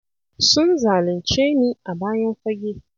"Sun zalunce ni a bayan fage.